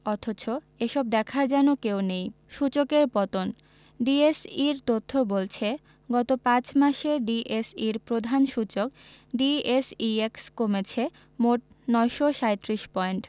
অথচ এসব দেখার যেন কেউ নেই সূচকের পতন ডিএসইর তথ্য বলছে গত ৫ মাসে ডিএসইর প্রধান সূচক ডিএসইএক্স কমেছে মোট ৯৩৭ পয়েন্ট